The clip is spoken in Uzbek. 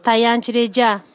tayanch reja